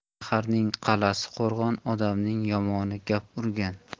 shaharning qa'lasi qo'rg'on odamning yomoni gap urgan